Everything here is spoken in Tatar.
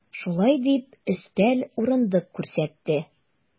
Шулай дип, өстәл, урындык күрсәтте.